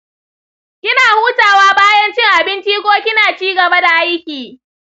kina hutawa bayan cin abinci ko kina ci gaba da aiki?